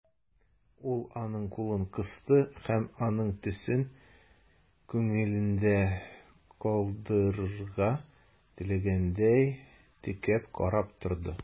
Ул аның кулын кысты һәм, аның төсен күңелендә калдырырга теләгәндәй, текәп карап торды.